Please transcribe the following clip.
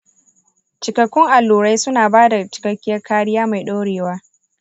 cikakkun allurai suna ba da cikakkiyar kariya mai ɗorewa.